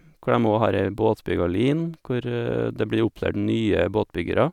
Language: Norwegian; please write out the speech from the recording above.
Hvor dem óg har ei båtbyggerlinje, hvor det blir opplært nye båtbyggere.